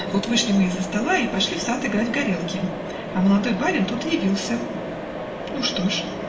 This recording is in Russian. Вот вышли мы из-за стола и пошли в сад играть в горелки, а молодой барин тут и явился. -- Ну что ж?